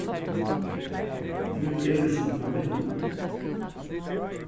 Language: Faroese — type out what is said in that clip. tit eru sum familja